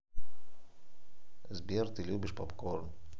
сбер ты любишь попкорн